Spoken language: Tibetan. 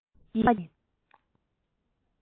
དཔེ ཚོགས ཀྱི